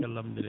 alhamdulil